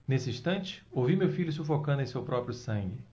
nesse instante ouvi meu filho sufocando em seu próprio sangue